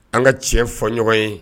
An ŋa tiɲɛ fɔ ɲɔgɔn ye